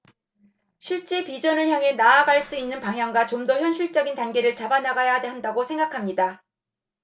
실제 비전을 향해 나아갈 수 있는 방향과 좀 더 현실적인 단계를 잡아 나가야 한다고 생각합니다